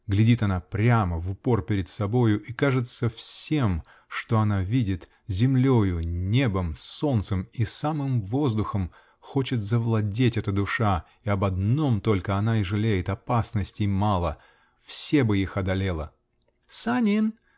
глядит она прямо, в упор перед собою, и, кажется, всем, что она видит, землею, небом, солнцем и самим воздухом хочет завладеть эта душа, и об одном только она и жалеет: опасностей мало -- все бы их одолела!"Санин!